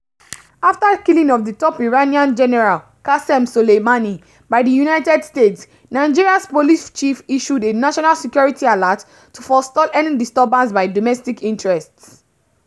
After the killing of top Iranian General Qasem Soleimani, by the United States, Nigeria's police chief issued a national security alert to forestall any disturbances by “domestic interests.”